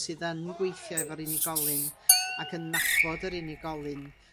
sydd yn gweithio efo'r unigolyn, ac yn nabod yr unigolyn